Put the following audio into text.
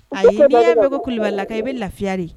A bɛ kuliba la kɛ i bɛ lafiyari